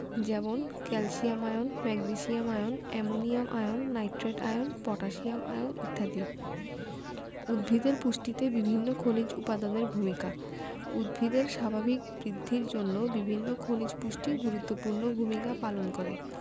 যেমন calcium ion magnesium ion ammonium ion nitrate ion potassium ion ইত্যাদি উদ্ভিদের পুষ্টিতে বিভিন্ন খনিজ উপাদানের ভূমিকা উদ্ভিদের স্বাভাবিক বৃদ্ধির জন্য বিভিন্ন খনিজ পুষ্টি গুরুত্বপূর্ণ ভূমিকা পালন করে